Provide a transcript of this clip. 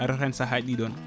aɗa rewa hen saahaji ɗi ɗon